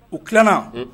U tilala. Un!